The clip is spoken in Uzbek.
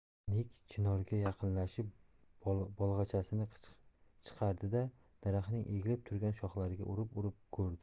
nig chinorga yaqinlashib bolg'achasini chiqardi da daraxtning egilib turgan shoxlariga urib urib ko'rdi